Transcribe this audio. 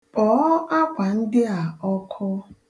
Kpọọ akwa ndị a ọkụ.